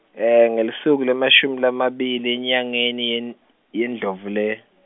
ngelusuku lemashumi lamabili enyangeni yeN- yeNdlovule-.